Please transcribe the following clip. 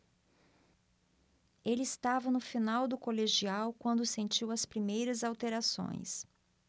ele estava no final do colegial quando sentiu as primeiras alterações